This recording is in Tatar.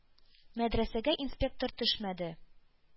Мәдрәсәгә инспектор төшмәде.